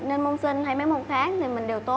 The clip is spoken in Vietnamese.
nên môn sinh hay mấy môn khác thì mình đều tốt